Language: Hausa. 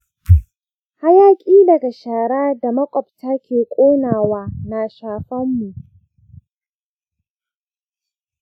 hayaƙi daga shara da maƙwabta ke ƙona wa na shafan mu.